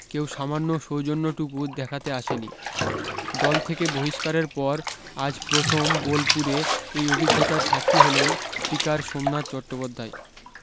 কেউ সামান্য সৌজন্যটুকু দেখাতে আসেনি দল থেকে বহিষ্কারের পর আজ প্রথম বোলপুরে এই অভিজ্ঞতার সাক্ষী হলেন স্পীকার সোমনাথ চট্টোপাধ্যায়